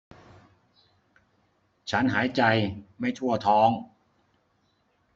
ฉันหายใจไม่ทั่วท้อง